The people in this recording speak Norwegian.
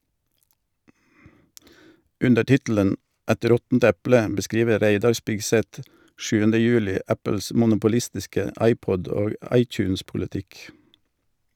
Under tittelen "Et råttent eple" beskriver Reidar Spigseth 7. juli Apples monopolistiske iPod- og iTunes-politikk.